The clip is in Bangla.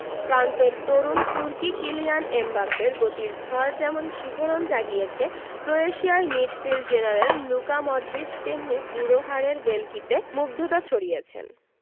ফ্রান্সের তরুণ তুর্কি কিলিয়ান এমবাপ্পের গতির ঝড় যেমন শিহরণ জাগিয়েছে ক্রোয়েশিয়ার মিডফিল্ড জেনারেল লুকা মডরিচ তেমনি বুড়ো হাড়ের ভেলকিতে মুগ্ধতা ছড়িয়েছেন